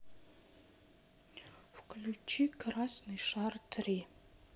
включи красный шар три